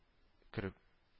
Көреп